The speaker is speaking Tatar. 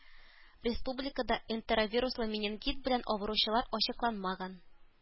Республикада энтеровируслы менингит белән авыручылар ачыкланмаган.